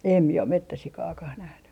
en minä ole metsäsikaakaan nähnyt